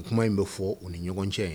Ni kuma in bɛ fɔ o ni ɲɔgɔn cɛ